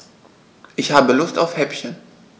Ich habe Lust auf Häppchen.